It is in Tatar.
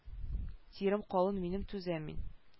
Тирем калын минем түзәм мин